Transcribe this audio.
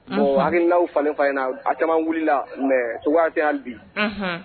Bon hakilnaw falen falen na , a caaman wulila mais cogoya tɛ yen.